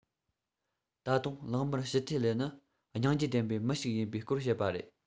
ད དུང ལག དམར ཞི ཐེ ལི ནི སྙིང རྗེ ལྡན པའི མི ཞིག ཡིན པའི སྐོར བཤད པ རེད